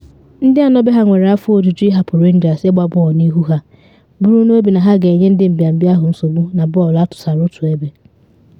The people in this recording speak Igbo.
Ndị anọ be ha nwere afọ ojuju ịhapụ Rangers ịgba bọọlụ n’ihu ha, buru n’obi na ha ga-enye ndị mbịambịa ahụ nsogbu na bọọlụ atụsara otu ebe.